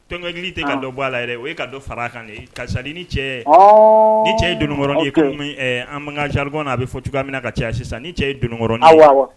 Donkɛj tɛ ka don bɔ' la yɛrɛ o ye ka don fara kan karisasanin ni cɛ ni cɛ ye donkɔrɔn iko an bangekan jaribon n' a bɛ fɔ cogoya min na ka caya sisan ni cɛ ye donkɔrɔn wa